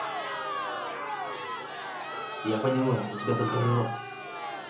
я поняла у тебя только рот